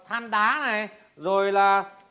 than đá này rồi là